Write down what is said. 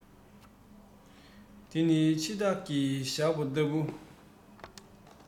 དེ ནི འཆི བདག གི ཞགས པ ལྟ བུ